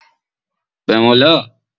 بمولا